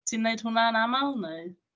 Ti'n wneud hwnna'n aml neu...?